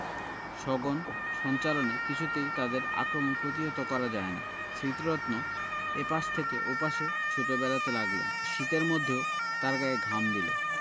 সঘন সঞ্চালনে কিছুতেই তাদের আক্রমণ প্রতিহত করা যায় না স্মৃতিরত্ন এ পাশ থেকে ও পাশে ছুটে বেড়াতে লাগলেন শীতের মধ্যেও তাঁর গায়ে ঘাম দিল